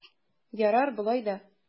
Ярар болай да!